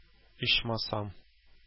Ичмасам